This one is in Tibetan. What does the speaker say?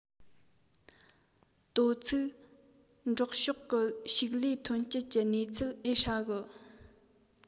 དོ ཚིགས འབྲོག ཕྱོགས གི ཕྱུགས ལས ཐོན སྐྱེད གི གནས ཚུལ ཨེ ཧྲ གི